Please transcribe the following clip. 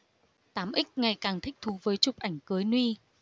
tám x ngày càng thích thú với chụp ảnh cưới nude